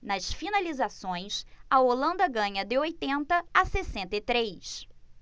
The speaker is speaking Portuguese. nas finalizações a holanda ganha de oitenta a sessenta e três